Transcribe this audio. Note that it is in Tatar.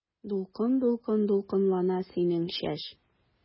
Дулкын-дулкын дулкынлана синең чәч.